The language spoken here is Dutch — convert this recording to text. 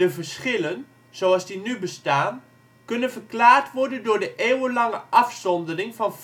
verschillen, zoals die nu bestaan, kunnen verklaard worden door de eeuwenlange afzondering van